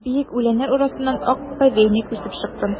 Биек үләннәр арасыннан ак повейник үсеп чыкты.